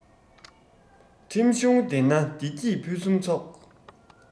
ཁྲིམས གཞུང ལྡན ན བདེ སྐྱིད ཕུན སུམ ཚོགས